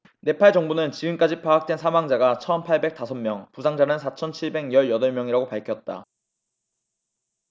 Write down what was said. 네팔 정부는 지금까지 파악된 사망자가 천 팔백 다섯 명 부상자는 사천 칠백 열 여덟 명이라고 밝혔다